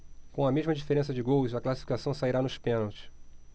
com a mesma diferença de gols a classificação sairá nos pênaltis